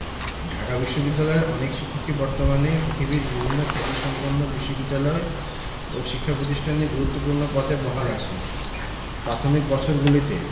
ঢাকা বিশ্ববিদ্যালয়ের অনেক শিক্ষকই বর্তমানে পৃথিবীর বিভিন্ন খ্যাতিসম্পন্ন বিশ্ববিদ্যালয় ও শিক্ষা প্রতিষ্ঠানে গুরুত্বপূর্ণ পদে বহাল আছেন প্রাথমিক বছরগুলিতে